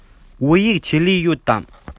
བོད ཡིག ཆེད ལས ཡོད དམ